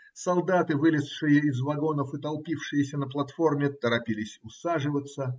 Солдаты, вылезшие из вагонов и толпившиеся на платформе, торопились усаживаться.